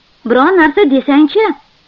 biron narsa de sang chi